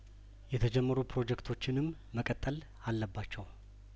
የተጀመሩ ፕሮጀክቶችንም መቀጠል አለባቸው